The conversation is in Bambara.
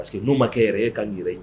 Parce que n'o makɛ yɛrɛ ye ka nin yɛrɛ ye